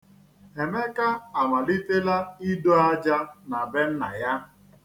Emeka amalitela ido aja na be nna ya.